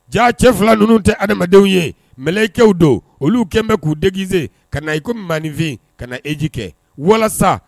Jaa cɛ fila ninnu tɛ adamadenw ye mlikɛw don olu kɛlen bɛ k'u dɛgzsee ka na iko maninfin ka na eji kɛ walasa